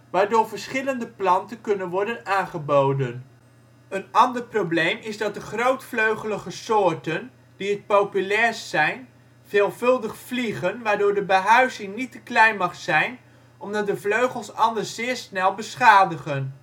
waardoor verschillende planten kunnen worden aangeboden. Een ander probleem is dat de grootvleugelige soorten - die het populairst zijn - veelvuldig vliegen waardoor de behuizing niet te klein mag zijn omdat de vleugels anders zeer snel beschadigen